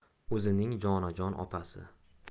o'zining jonajon opasi